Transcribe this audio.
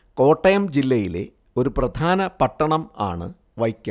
കോട്ടയം ജില്ലയിലെ ഒരു പ്രധാന പട്ടണം ആണ് വൈക്കം